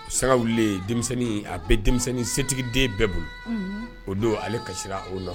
Sanga wulilen denmisɛnnin a bɛ denmisɛnnin setigiden bɛɛ bolo, unhun, o don ale kasira o nɔ